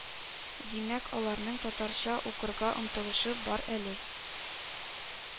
Димәк, аларның татарча укырга омтылышы бар әле